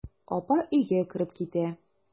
Апа өйгә кереп китә.